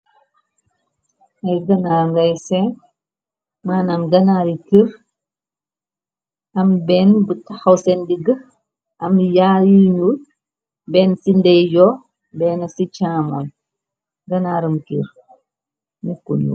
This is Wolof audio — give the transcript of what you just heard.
Ay ganar ngay sin manam ganaari kirr am benn bu taxaw seen ndigg am yaar yu ñul benn ci ndey yoo benn ci caamoon ganaaram kir nekkunu.